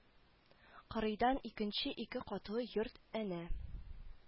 Кырыйдан икенче ике катлы йорт әнә